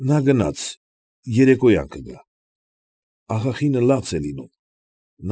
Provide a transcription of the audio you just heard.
Նա գնաց, երեկոյան կգա։ Աղախինը լաց է լինում։